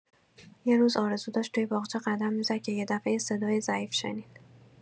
یه روز، آرزو داشت توی باغچه قدم می‌زد که یه دفعه یه صدای ضعیف شنید.